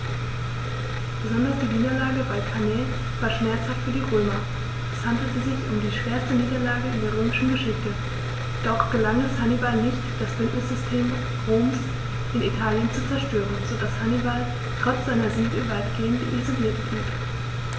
Besonders die Niederlage bei Cannae war schmerzhaft für die Römer: Es handelte sich um die schwerste Niederlage in der römischen Geschichte, doch gelang es Hannibal nicht, das Bündnissystem Roms in Italien zu zerstören, sodass Hannibal trotz seiner Siege weitgehend isoliert blieb.